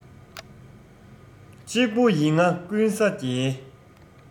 གཅིག པུ ཡིན ང ཀུན ས རྒྱལ